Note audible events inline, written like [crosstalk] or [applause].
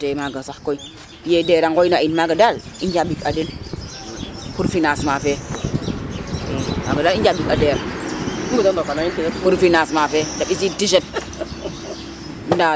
i ndete maga koy sax ya i Der a ngoy na in maga daal i njambik a den pour financement fe i kaga dal i njambik a Der pour financement fe de mbisid tchirt [laughs] nda dal